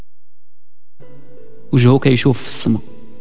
جوك يشوف السماء